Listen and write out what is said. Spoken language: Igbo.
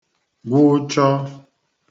gwụchọ